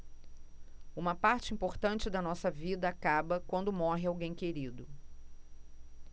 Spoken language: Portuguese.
uma parte importante da nossa vida acaba quando morre alguém querido